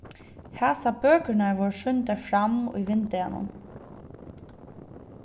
hasar bøkurnar vórðu sýndar fram í vindeyganum